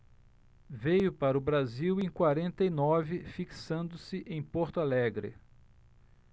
veio para o brasil em quarenta e nove fixando-se em porto alegre